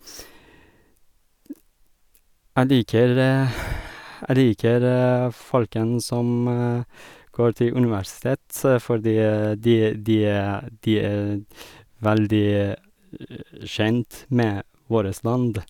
æ liker Jeg liker folkene som går til universitet fordi de e de e de er veldig kjent med vårres land.